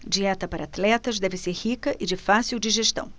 dieta para atletas deve ser rica e de fácil digestão